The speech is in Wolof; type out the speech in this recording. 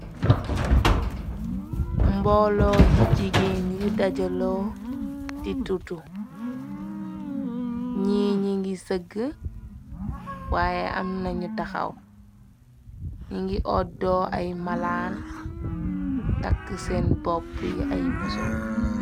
Mbooloo yi jigéen yu dajaloo di tutu, ñi ñi ngi sëgg waaye am nañu taxaw, ni ngi oddoo ay malaan tàkk seen boppu yi ay musoor.